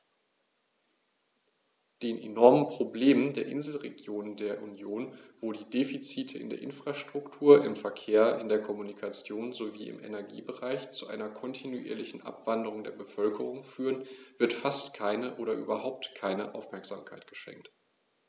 Den enormen Problemen der Inselregionen der Union, wo die Defizite in der Infrastruktur, im Verkehr, in der Kommunikation sowie im Energiebereich zu einer kontinuierlichen Abwanderung der Bevölkerung führen, wird fast keine oder überhaupt keine Aufmerksamkeit geschenkt.